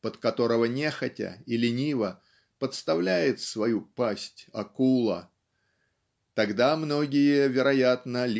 под которого нехотя и лениво подставляет свою пасть акула тогда многие вероятно